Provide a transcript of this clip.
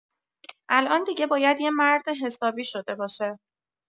الان دیگه باید یه مرد حسابی شده باشه.